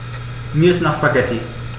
Mir ist nach Spaghetti.